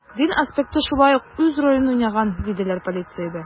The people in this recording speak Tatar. Дин аспекты шулай ук үз ролен уйнаган, диделәр полициядә.